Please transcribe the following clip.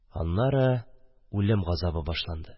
Аннары үлем газабы башланды.